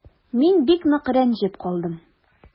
Мин бик нык рәнҗеп калдым.